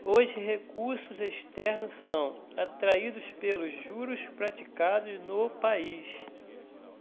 os recursos externos são atraídos pelos juros praticados no país